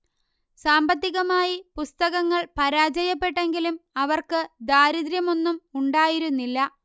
സാമ്പത്തികമായി പുസ്തകങ്ങൾ പരാജയപ്പെട്ടെങ്കിലും അവർക്ക് ദാരിദ്ര്യമൊന്നും ഉണ്ടായിരുന്നില്ല